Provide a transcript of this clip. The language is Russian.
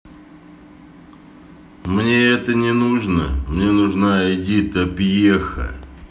мне это не нужно мне нужна эдита пьеха